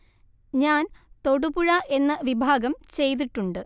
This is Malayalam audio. ഞാന്‍ തൊടുപുഴ എന്ന വിഭാഗം ചെയ്തിട്ടുണ്ട്